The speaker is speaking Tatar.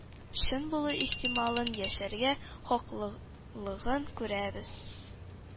Чын булу ихтималын, яшәргә хаклылыгын күрәбез.